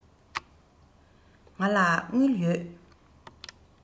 ང ལ དངུལ ཡོད